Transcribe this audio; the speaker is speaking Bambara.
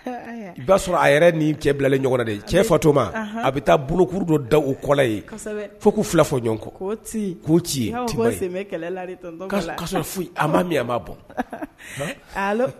I b'a sɔrɔ a yɛrɛ cɛ cɛ fato a bɛ taakuru don da u kɔ fo' fila fɔ k' ci min